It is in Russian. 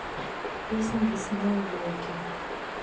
песня лесные волки